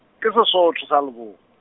ke Sesotho sa Lebo-.